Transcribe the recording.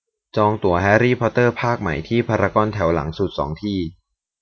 จองตั๋วแฮรี่พอตเตอร์ภาคใหม่ที่พารากอนแถวหลังสุดสองที่